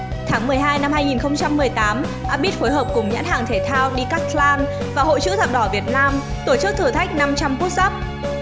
tháng năm up beat phối hợp cùng nhãn hàng thể thao decathlon và hội chữ thập đỏ việt nam tổ chức thử thách pushup